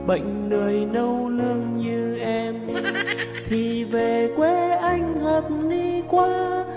bệnh lười nấu nướng như em thì về quê anh hợp lý quá